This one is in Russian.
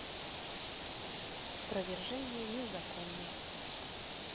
опровержение незаконной